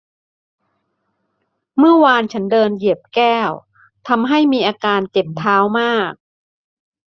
เมื่อวานฉันเดินเหยียบแก้วทำให้มีอาการเจ็บเท้ามาก